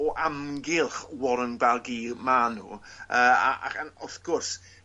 o amgylch Warren Barguil ma' n'w yy a- a- chan wrth gwrs